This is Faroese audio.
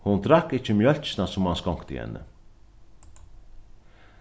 hon drakk ikki mjólkina sum hann skonkti henni